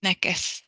Neges.